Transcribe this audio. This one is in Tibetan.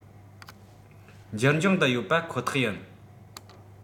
འགྱུར འབྱུང འདི ཡོད པ ཁོ ཐག ཡིན